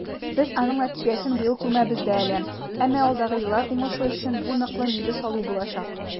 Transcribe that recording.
Без аның нәтиҗәсен быел күрмәбез дә әле, әмма алдагы еллар уңышы өчен бу ныклы нигез салу булачак.